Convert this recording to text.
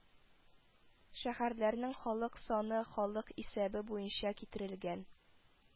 Шәһәрләрнең халык саны халык исәбе буенча китерелгән